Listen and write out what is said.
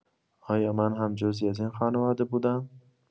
آیا من هم جزئی از این خانواده بودم؟